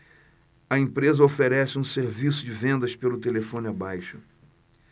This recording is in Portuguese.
a empresa oferece um serviço de vendas pelo telefone abaixo